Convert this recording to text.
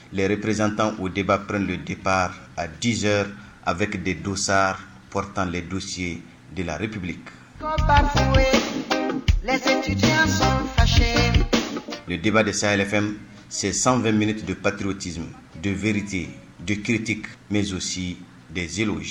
Lɛɛrɛrepztan o debap de dep adze a vp dedosa prptan dsi de larep fa deba de sayayfɛnme sanfɛ2m de papirrotisumu donverete du kiiriti mzosi deze